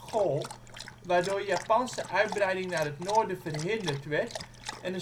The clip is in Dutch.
Gol, waardoor Japanse uitbreiding naar het noorden verhinderd werd en